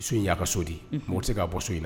So in y' ka so di mo tɛ se ka bɔ so in ɲini